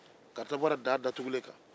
karisa bɔra daa datugulen kan